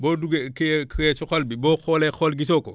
boo duggee kii yee kii yee si xol bi boo xoolee xool gisoo ko